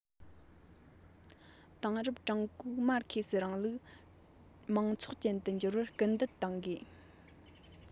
དེང རབས ཀྲུང གོའི མར ཁེ སིའི རིང ལུགས མང ཚོགས ཅན དུ འགྱུར བར སྐུལ འདེད གཏོང དགོས